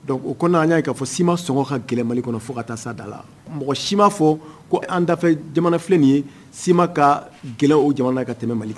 Donc o kɔɔna la an y'a ye ka fɔ ciment sɔngɔ ka gɛlɛn Mali kɔnɔ fo ka taa se a da la mɔgɔ si ma fɔɔ ko an dafɛ jamana filɛ nin ye ciment kaa gɛlɛ o jamana la ka tɛmɛ Mali ka